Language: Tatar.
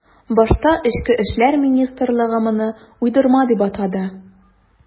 Башта эчке эшләр министрлыгы моны уйдырма дип атады.